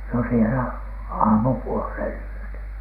no siellä aamupuoleen yötä